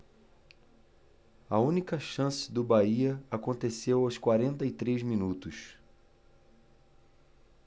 a única chance do bahia aconteceu aos quarenta e três minutos